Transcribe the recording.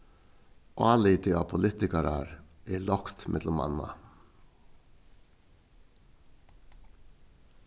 álitið á politikarar er lágt millum manna